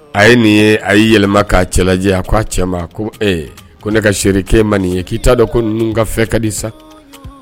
A ye nin ye a y'i yɛlɛma k'a cɛla a k' a cɛ ma ko ne ka se ke man nin ye k'i' dɔn ko n ninnu kafe kadi sa